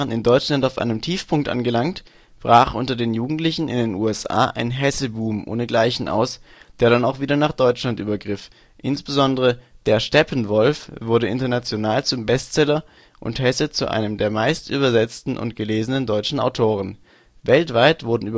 in Deutschland auf einem Tiefpunkt angelangt, brach unter den Jugendlichen in den USA ein " Hesse-Boom " ohnegleichen aus, der dann auch wieder nach Deutschland übergriff; insbesondere " Der Steppenwolf " wurde international zum Bestseller (nach dem sich sogar eine Rockband benannte) und Hesse zu einem der meistübersetzten und - gelesenen deutschen Autoren. Weltweit wurden